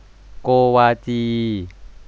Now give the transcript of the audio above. โกวาจี